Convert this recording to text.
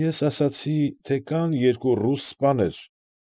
Ես ասացի, թե կան երկու ռուս սպաներ։